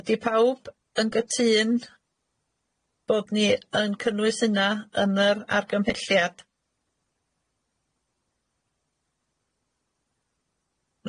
Ydi pawb yn gytun bod ni yn cynnwys hynna yn yr argymhelliad?